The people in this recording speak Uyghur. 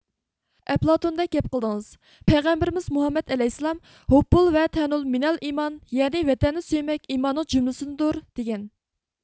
ئەپلاتوندەك گەپ قىلدىڭىز پەيغەمبىرىمىز مۇھەممەت ئەلەيھىسسالام ھۇببۇل ۋە تەنۇل مىنەل ئىمان يەنى ۋەتەننى سۆيمەك ئىمماننىڭ جۈملىسىدىندۇر دېگەن